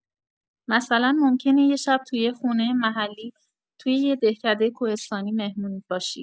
مثلا ممکنه یه شب تو یه خونه محلی توی یه دهکده کوهستانی مهمون باشی.